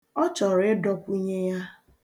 Ọ chọrọ ịdọkwunye ya.